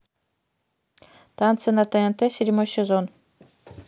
танцы на тнт седьмой сезон